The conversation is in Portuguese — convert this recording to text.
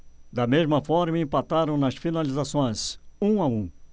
da mesma forma empataram nas finalizações um a um